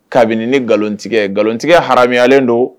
Kabini nkalontigɛ, nkalontigɛ haraamuyalen don